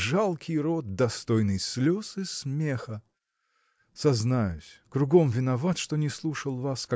жалкий род, достойный слез и смеха! Сознаюсь кругом виноват что не слушал вас